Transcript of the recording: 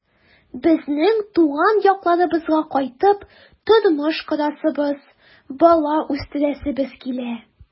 Безнең туган якларыбызга кайтып тормыш корасыбыз, бала үстерәсебез килә.